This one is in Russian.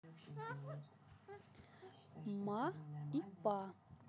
ма и па